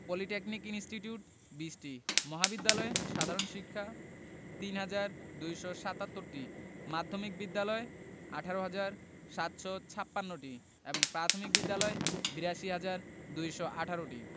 polytechnic institute ২০টি মহাবিদ্যালয় সাধারণ শিক্ষা ৩হাজার ২৭৭টি মাধ্যমিক বিদ্যালয় ১৮হাজার ৭৫৬টি এবং প্রাথমিক বিদ্যালয় ৮২হাজার ২১৮টি